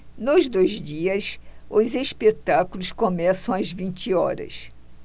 nos dois dias os espetáculos começam às vinte horas